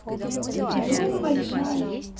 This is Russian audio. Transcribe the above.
young большая